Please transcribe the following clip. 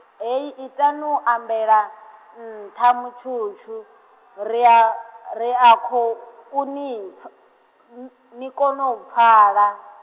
hei itani u ambela, nṱha Mutshutshu , ria, ria a khou ni pfa, n- ni kone u pfala.